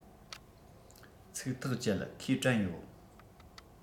ཚིག ཐག བཅད ཁོས དྲན ཡོད